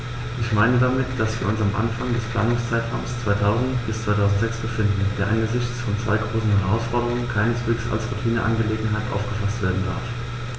Ich meine damit, dass wir uns am Anfang des Planungszeitraums 2000-2006 befinden, der angesichts von zwei großen Herausforderungen keineswegs als Routineangelegenheit aufgefaßt werden darf.